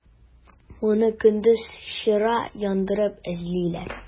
Моны көндез чыра яндырып эзлиләр.